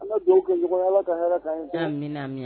An ka dugawu kɛ da min minɛ